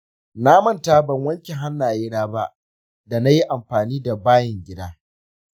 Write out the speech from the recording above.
na manta ban wanke hannaye na ba danayi amfani da bayin gida.